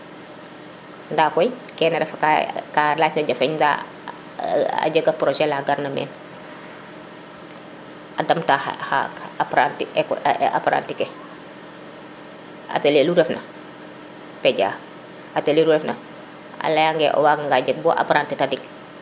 nda koy kene ref ka yac na jafeñ e% a jega projet la gar na men a dam ta apprentit ke atelier fu ref na peja atelier nu ref na leya nge o waga nga jeg bo apprentit tadik